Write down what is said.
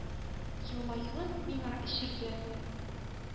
Елмаюын миңа эчерде.